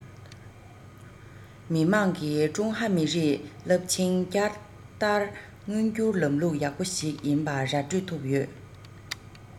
མི དམངས ཀྱིས ཀྲུང ཧྭ མི རིགས རླབས ཆེན བསྐྱར དར མངོན འགྱུར ལམ ལུགས ཡག པོ ཞིག ཡིན པ ར སྤྲོད ཐུབ ཡོད